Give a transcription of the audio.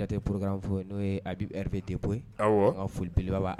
RT programme fɔ n(o ye Habibu RV depot awɔ, n ka foli belebeleva b'a